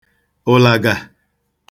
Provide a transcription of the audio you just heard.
ụ̀làgà